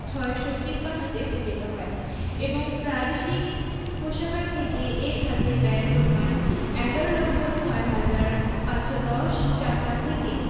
৬৫৩ তে উন্নীত হয় এবং প্রাদেশিক কোষাগার থেকে এ খাতে ব্যয়ের পরিমাণ ১১ লক্ষ ৬ হাজার ৫১০ টাকা থেকে